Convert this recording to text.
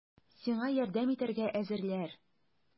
Сиңа ярдәм итәргә әзерләр!